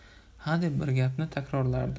hadeb bir gapni takrorlardi